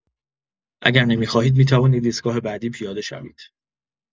اگر نمی‌خواهید می‌توانید ایستگاه بعدی پیاده شوید.